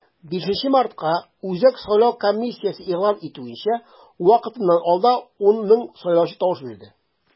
5 мартка, үзәк сайлау комиссиясе игълан итүенчә, вакытыннан алда 10 мең сайлаучы тавыш бирде.